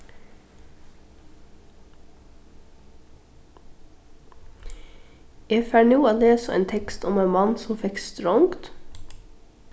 eg fari nú at lesa ein tekst um ein mann sum fekk strongd